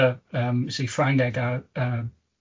y yym, see Ffrangeg a'r yym yy